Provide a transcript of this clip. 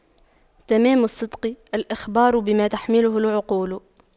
تمام الصدق الإخبار بما تحمله العقول